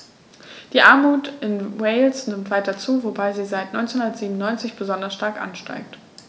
Die Armut in Wales nimmt weiter zu, wobei sie seit 1997 besonders stark ansteigt.